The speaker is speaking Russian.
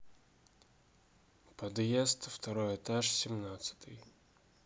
подъезд второй этаж семнадцатый